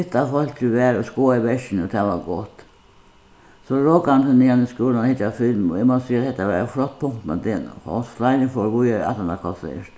fitt av fólki var og skoðaði verkini tað var gott so rokandi niðan í skúlan at hyggja at filmi og eg má siga at hetta var eitt flott punktum á degnum hóast fleiri fóru víðari aftaná konsert